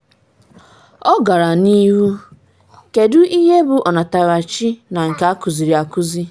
Ọ gara n’ihu: ‘Kedu ihe bụ ọnatarachi na nke akuziri akuzi?